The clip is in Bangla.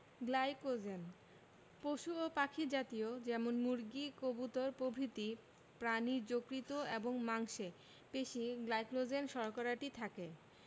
গ্লাইকোজেন পশু ও পাখি জাতীয় যেমন মুরগি কবুতর প্রভৃতি প্রাণীর যকৃৎ এবং মাংসে পেশি গ্লাইকোজেন শর্করাটি থাকে